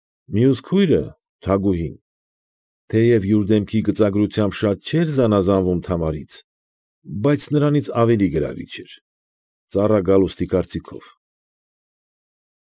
Մյուս քույրը֊ Թագուհին ֊ թեև յուր դեմքի գծագրությամբ շատ չէր զանաղանվում Թամարից, բայց նրանից ավելի գրավիչ էր, ծառա Գալուստի կարծիքով։